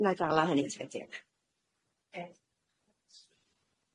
W- nâi dala hynny te diolch.